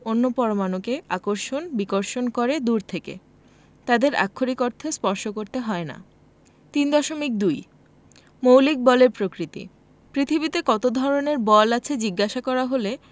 অন্য পরমাণুকে আকর্ষণ বিকর্ষণ করে দূর থেকে তাদেরকে আক্ষরিক অর্থে স্পর্শ করতে হয় না 3.2 মৌলিক বলের প্রকৃতি পৃথিবীতে কত ধরনের বল আছে জিজ্ঞেস করা হলে